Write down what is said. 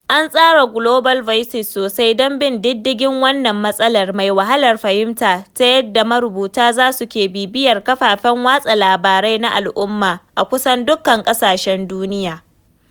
An tsara Global Voices sosai don bin diddigin wannan matsalar mai wahalar fahimta ta yadda marubuta za su ke bibiyar kafafen watsa labarai na al’umma a kusan dukan ƙasashen duniya.